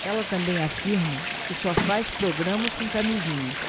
ela também afirma que só faz programas com camisinha